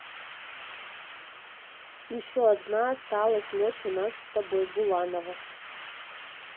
еще одна осталась ночь у нас с тобой буланова